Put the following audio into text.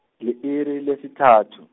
li-iri lesithathu.